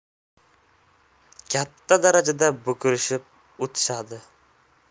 katta darajada bo'kirishib o'tishadi